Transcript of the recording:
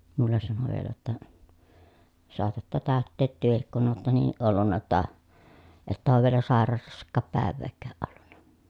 minulle sanoi vielä jotta saatatte täyttää tekin kun olette niin ollut jotta että ole vielä sairaalassakaan päivääkään ollut